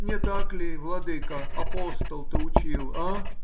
Не так ли, владыко, апостол-то учил, а?